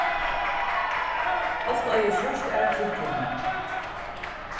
ofta eigur svørt ær hvítt lamb